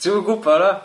Ti'm yn gwbo na?